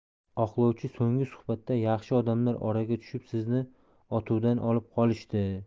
oqlovchi so'nggi suhbatda yaxshi odamlar oraga tushib sizni otuvdan olib qolishdi